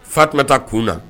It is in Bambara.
Fatuma taa kun na